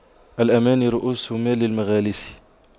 الأماني رءوس مال المفاليس